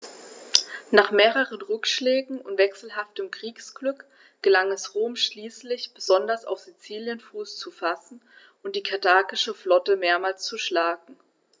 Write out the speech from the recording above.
Nach mehreren Rückschlägen und wechselhaftem Kriegsglück gelang es Rom schließlich, besonders auf Sizilien Fuß zu fassen und die karthagische Flotte mehrmals zu schlagen.